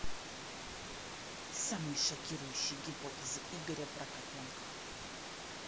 самые шокирующие гипотезы игоря прокопенко